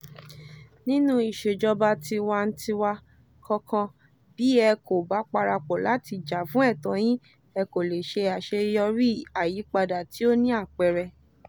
Nínú ìṣèjọba tiwantiwa kankan, bí ẹ kò bá parapọ̀ láti jà fún ẹ̀tọ́ yín, ẹ kò lè ṣe àṣeyọrí àyípadà tí ó ní àpẹẹrẹ.